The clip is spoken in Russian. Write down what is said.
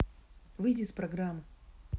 выйди из программы